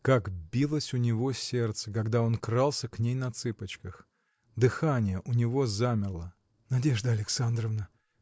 Как билось у него сердце, когда он крался к ней на цыпочках. Дыхание у него замерло. – Надежда Александровна!